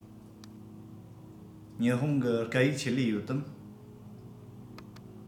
ཉི ཧོང གི སྐད ཡིག ཆེད ལས ཡོད དམ